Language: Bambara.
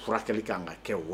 Furakɛli kan ka kɛ w